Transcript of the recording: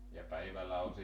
ja päivällä oli sitten